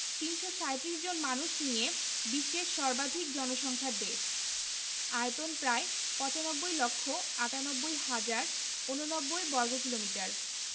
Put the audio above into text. ৩৩৭ জন মানুষ নিয়ে বিশ্বের সর্বাধিক জনসংখ্যার দেশ আয়তন প্রায় ৯৫ লক্ষ ৯৮ হাজার ৮৯ বর্গকিলোমিটার